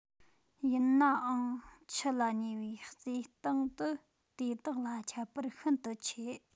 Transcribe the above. ཡིན ནའང མཆུ ལ ཉེ བའི རྩེ སྟེང དུ དེ དག ལ ཁྱད པར ཤིན ཏུ ཆེ